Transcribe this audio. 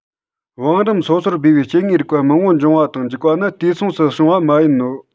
བང རིམ སོ སོར སྦས པའི སྐྱེ དངོས རིགས མང པོ འབྱུང བ དང འཇིག པ ནི དུས མཚུངས སུ བྱུང བ མ ཡིན ནོ